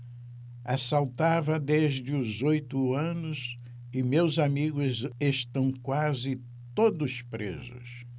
assaltava desde os oito anos e meus amigos estão quase todos presos